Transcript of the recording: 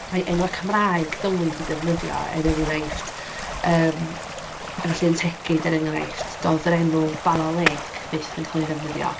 Mai enwau Cymraeg dylid eu defnyddio er enghraifft yym... efallai yn Tegid, er enghraifft, doedd yr enw Bala Lake byth yn cael ei ddefnyddio.